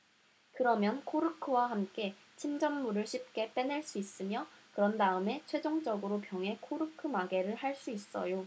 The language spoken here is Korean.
그러면 코르크와 함께 침전물을 쉽게 빼낼 수 있으며 그런 다음에 최종적으로 병에 코르크 마개를 할 수 있어요